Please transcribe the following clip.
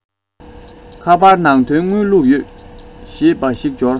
ཁ པར ནང དོན དངུལ བླུག ཡོད ཞེས པ ཞིག འབྱོར